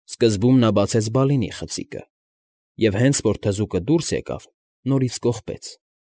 Սկզբում նա բացեց Բալինի խցիկը և, հենց որ թզուկը դուրս եկավ, նորից կողպեց։